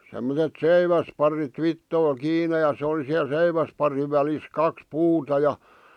semmoiset seiväsparit vitsoilla kiinni ja se oli siellä seiväsparin välissä kaksi puuta ja